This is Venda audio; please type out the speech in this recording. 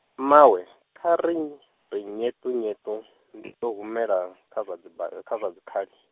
mmawe , kha ri, ri nyeṱunyeṱu, ndi vho humela, kha zwa dzi ba-, kha zwa dzi khali.